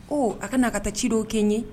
Ɔ a ka na ka taa ci dɔw kɛ ye